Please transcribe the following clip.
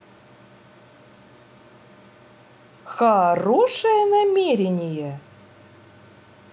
хорошее намерение